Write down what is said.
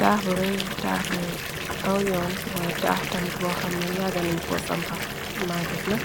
taax bu rey taax bi aw yoon waay taax tamit boo xamna yagga nañ ko sampa magget na